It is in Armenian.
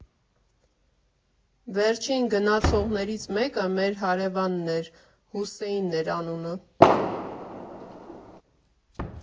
Վերջին գնացողներից մեկը մեր հարևանն էր՝ Հուսեին էր անունը։